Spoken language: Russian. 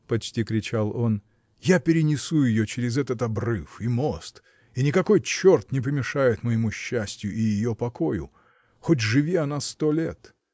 — почти кричал он, — я перенесу ее через этот обрыв и мост — и никакой черт не помешает моему счастью и ее покою — хоть живи она сто лет!